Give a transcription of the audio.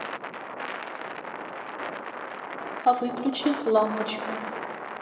выключи лампочку